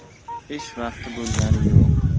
ish vaqti bo'lgani yo'q